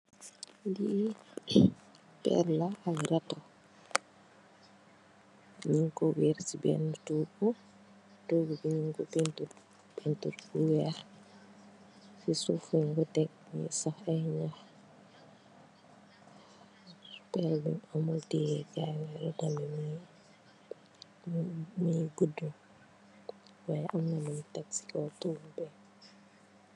Lii peel la ak rato, nyun ko wersi benna toogu, toogu bi nyun ko pintur, pintur bu weex, si soof lej ko teeg mingi sax ay nyaax, pelbi amul tiyekaay, rato bi mingi gudu